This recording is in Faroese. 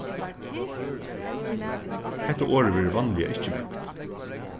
hetta orðið verður vanliga ikki brúkt